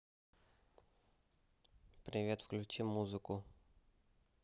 привет включи музыку